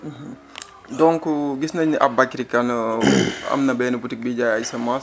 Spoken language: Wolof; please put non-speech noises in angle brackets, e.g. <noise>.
<hesitation> <hesitation> <noise> donc gis nañ ne Aboubacry Kane <coughs> am na benn boutique buy jaay ay semences